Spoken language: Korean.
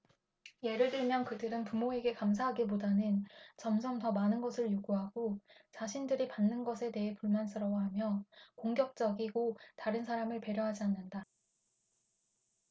예를 들면 그들은 부모에게 감사하기보다는 점점 더 많은 것을 요구하고 자신들이 받는 것에 대해 불만스러워하며 공격적이 고 다른 사람을 배려하지 않는다